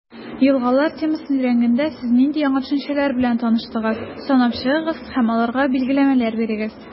«елгалар» темасын өйрәнгәндә, сез нинди яңа төшенчәләр белән таныштыгыз, санап чыгыгыз һәм аларга билгеләмәләр бирегез.